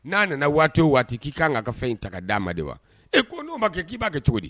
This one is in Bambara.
N'a nana waati waati k'i k kan ka fɛn in ta d di ma de wa e ko n'o ma kɛ k'i b' kɛ cogo di